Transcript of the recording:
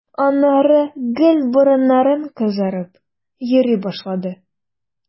Аннары гел борыннарың кызарып йөри башлады.